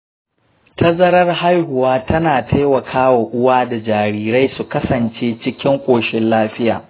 tazarar haihuwa tana taimaka wa uwa da jarirai su kasance cikin koshin lafiya.